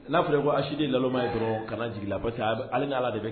N'a fɔra ko ayisiden lalma ye dɔrɔn kana jigin la a ali ala de